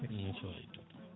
non mi suwa ittude